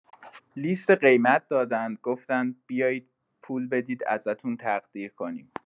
لیست قیمت دادند گفتند بیاید پول بدید ازتون تقدیر کنیم.